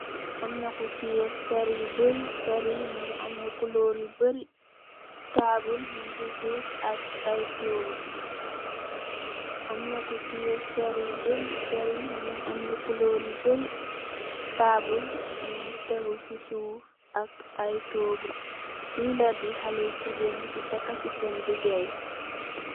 Amna ku teyeh ferr yu barri. Ferr yu mungi ame couleur yu bari. Tabul mung ci suff ak ay togu. Amna ku teyeh ferr yu barr mungi ame couleur yu barri. Tabul mung ci suff ak ay togu. Li la khaleh jigeen yi de taka ci ceen ndigah yi.